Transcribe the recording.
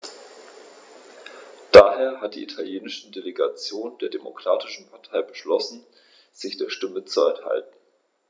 Daher hat die italienische Delegation der Demokratischen Partei beschlossen, sich der Stimme zu enthalten.